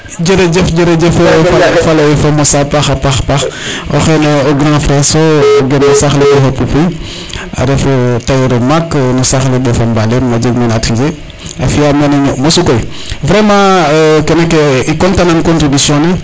jerejef jerejef faley fa mosa a paaxa paaxa paax oxene o grand frere so o gen no saax le ref na a Poupouy a ref tailleur o maak no saaxle Mbofa Mbaleme a jeg mene atelier a fiya mene ño mosu koy vraiment kene ke i content na no contribution ne